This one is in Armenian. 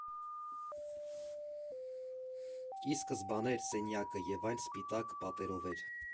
Ի սկզբանե էր սենյակը, և այն սպիտակ պատերով էր։